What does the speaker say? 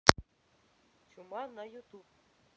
чума на ютуб